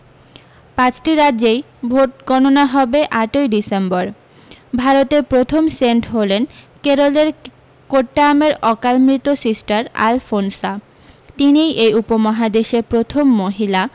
পাঁচটি রাজ্যেই ভোটগণনা হবে আটৈ ডিসেম্বর ভারতের প্রথম সেন্ট হলেন কেরলের কোট্টায়ামের অকালমৃত সিস্টার আলফোনসা তিনিই এই উপমহাদেশের প্রথম মহিলা